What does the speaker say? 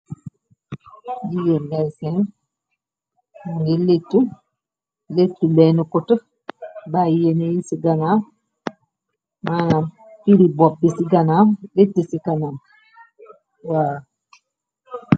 Gigeen melsin mi ngi léttu léttu benn cut bayyiyeny ci ganaw manam firi bop bi ci ganam lett ci kanamwa.